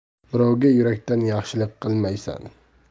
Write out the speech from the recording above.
birovga yurakdan yaxshilik qilmaysan